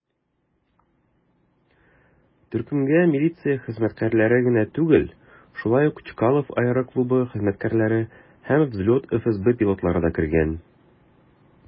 Төркемгә милиция хезмәткәрләре генә түгел, шулай ук Чкалов аэроклубы хезмәткәрләре һәм "Взлет" ФСБ пилотлары да кергән.